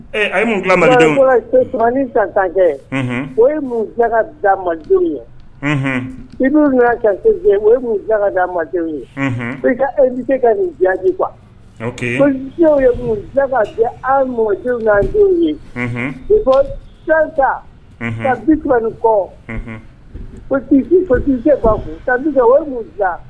In sansankɛ o ye mun jakaj ye i kan o yekadenww ye e bɛ se ka nin diyaji kuwaw ye ja ka an mɔan denw ye i ko fɛn ta kabiin kɔ psisisi ban o